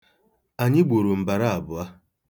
Anyị gburu mbara abụọ.